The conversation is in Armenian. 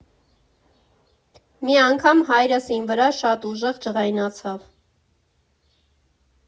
Մի անգամ հայրս իմ վրա շատ ուժեղ ջղայնացավ։